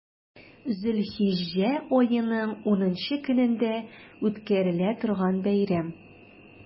Зөлхиҗҗә аеның унынчы көнендә үткәрелә торган бәйрәм.